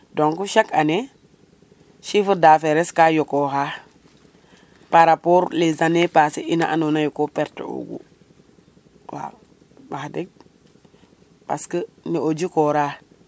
donc chaque année chiffres d affires es ka yoqo xa par rapport les années passées ino ano naye ko perter ogu waaw wax deg ne o jikora